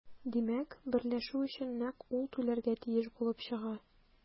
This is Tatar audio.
Димәк, берләшү өчен нәкъ ул түләргә тиеш булып чыга.